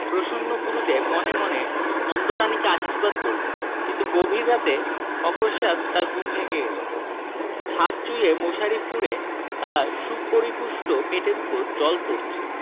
প্রসন্ন গুরুদেব মনে মনে নন্দরানীকে আশীর্বাদ করলেন কিন্তু গভীর রাতে অকস্মাৎ তাঁর ঘুম ভেঙ্গে গেল ছাদ চুঁইয়ে মশারি ফুঁড়ে তাঁর সুপরিপুষ্ট পেটের উপর জল পড়চে